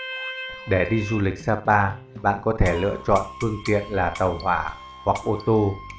để đi du lịch sapa bạn có thể lựa chọn phương tiện là tàu hỏa hoặc ô tô